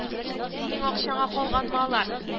– синең акчаңа калганмы алар